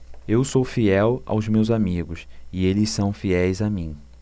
eu sou fiel aos meus amigos e eles são fiéis a mim